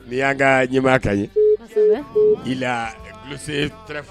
N'i y'an ka ɲɛ ka ɲi' la bilisi